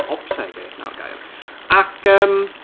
Optegydd 'na'r gair ac yym...